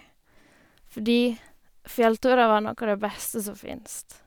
Fordi fjellturer var noe av det beste som finnes.